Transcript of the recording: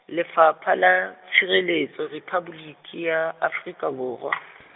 Lefapha la Tshireletso Rephapoliki ya Afrika Borwa.